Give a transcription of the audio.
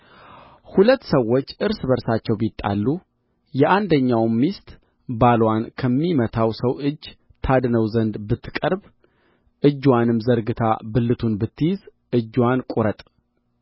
ሁለት ሰዎች እርስ በርሳቸው ቢጣሉ የአንደኛውም ሚስት ባልዋን ከሚመታው ሰው እጅ ታድነው ዘንድ ብትቀርብ እጅዋንም ዘርግታ ብልቱን ብትይዝ እጅዋን ቍረጥ